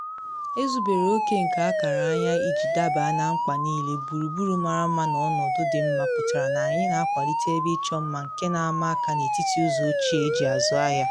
Ezubere oke nke akara anyị iji dabaa na mkpa niile, gburugburu mara mma na ọnọdụ dị mma pụtara na anyị na akwalite ebe ịchọ mma nke na ama aka n’etiti ụzọ ochie eji azụ ahịa.